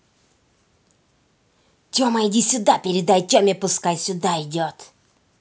тема иди сюда передай теме пускай сюда идет